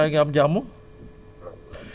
ñu ngi ñu ngi ziyaar naka yitte yi